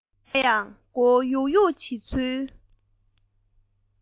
འདྲ ཡང མགོ བོ གཡུག གཡུག བྱེད ཚུལ